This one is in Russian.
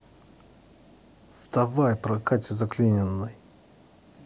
вставай про катю заклиненный